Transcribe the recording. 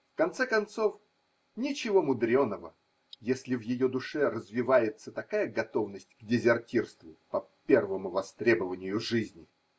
В конце концов, ничего мудреного, если в ее душе развивается такая готовность к дезертирству по первому востребованию жизни.